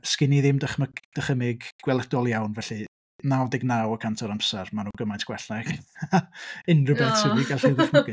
'Sgen i ddim dychmyg- dychymyg gweledol iawn, felly naw deg naw y cant o'r amser maen nhw gymaint gwell na unrhyw beth... aw. ...'swn i 'di gallu ddychmygu.